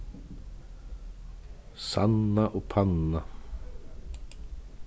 sanna og panna